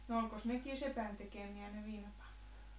no olikos nekin sepän tekemiä ne viinapannut